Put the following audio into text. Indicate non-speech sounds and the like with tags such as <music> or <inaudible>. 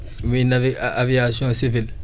muy navi <hesitation> aviation civile